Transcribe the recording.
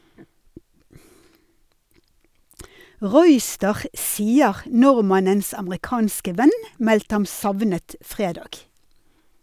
Royster sier nordmannens amerikanske venn meldte ham savnet fredag.